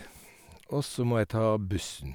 Og så må jeg ta bussen.